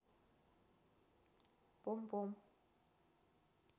пом пом